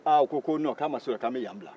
aa u ko k'a ma s'o la k'u bɛ yan bila